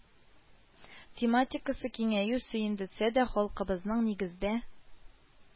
Тематикасы киңәю сөендерсә дә, халкыбызның нигездә